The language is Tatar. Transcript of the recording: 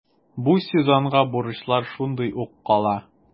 Бу сезонга бурычлар шундый ук кала.